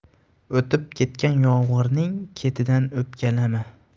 o'tib ketgan yomg'irning ketidan o'pkalama